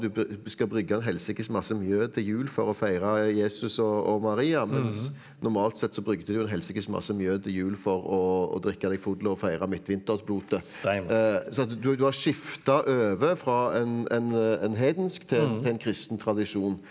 du vi skal brygge en helsikes masse mjød til jul for å feire Jesus og og Maria mens normalt sett så brygget du jo en helsikes masse mjød til jul for å å drikke deg full og feire midtvintersblotet sånn at du har skifta over fra en en en hedensk til en en kristen tradisjon.